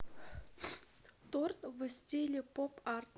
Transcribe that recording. торт в стиле поп арт